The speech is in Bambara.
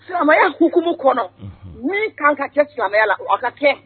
Silamɛya kukumu kɔnɔ, unhun, min kan ka kɛ silamɛya la a ka kɛ